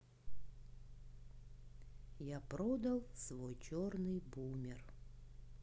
я продал свой черный бумер